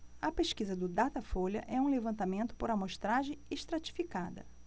a pesquisa do datafolha é um levantamento por amostragem estratificada